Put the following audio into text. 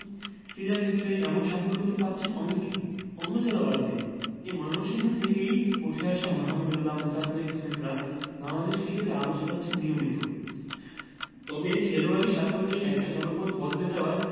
ক্রীড়াক্ষেত্রে এমন সাফল্য তো পাচ্ছেন অনেকেই অন্য জেলা বাদ দিন এ ময়মনসিংহ থেকেই উঠে আসা মাহমুদউল্লাহ মোসাদ্দেক হোসেনরা বাংলাদেশ ক্রিকেটে আলো ছড়াচ্ছেন নিয়মিত তবে খেলোয়াড়ি সাফল্যে একটা জনপদ বদলে দেওয়ায়